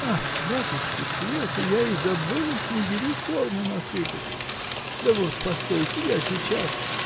Ах, батюшки светы, я и забыла снегирю корму насыпать. Да вот постойте, я сейчас.